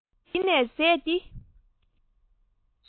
ངས གཞི ནས ཟས འདི